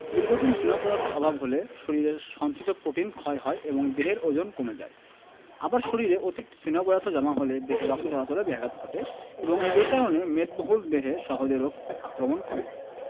দীর্ঘদিন স্নেহ পদার্থের অভাব হলে শরীরের সঞ্চিত প্রোটিন ক্ষয় হয় এবং দেহের ওজন কমে যায় আবার শরীরে অতিরিক্ত স্নেহ পদার্থ জমা হলে দেহে রক্ত চলাচলে ব্যাঘাত ঘটে এবং এ কারণে মেদবহুল দেহে সহজে রোগ আক্রমণ করে